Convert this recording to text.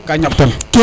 ka ñaɓ tan